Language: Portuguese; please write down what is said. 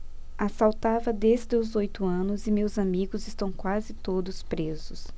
assaltava desde os oito anos e meus amigos estão quase todos presos